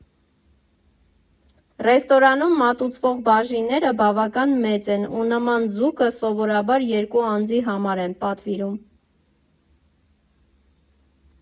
Ռեստորանում մատուցվող բաժինները բավական մեծ են, ու նման ձուկը սովորաբար երկու անձի համար են պատվիրում։